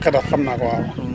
xetax xam naa ko waaw